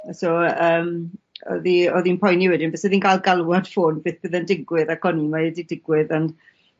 So yy yym odd 'i odd i'n poeni wedyn be se ddi'n ca'l galwad ffôn beth bydde'n digwydd ac on mae 'di digwydd ond